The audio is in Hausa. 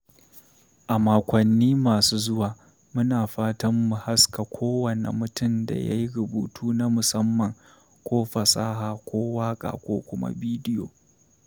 A makwanni masu zuwa, muna fatan mu haska kowane mutum da ya yi rubutu na musamman ko fasaha ko waƙa ko kuma bidiyo.